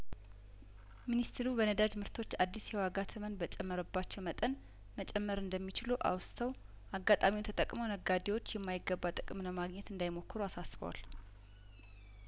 ሚኒስትሩ በነዳጅምርቶች አዲሱ የዋጋ ተመን በጨመረባቸው መጠን መጨመር እንደሚችሉ አውስተው አጋጣሚውን ተጠቅመው ነጋዴዎች የማይገባ ጥቅም ለማግኘት እንዳይሞክሩ አሳስበዋል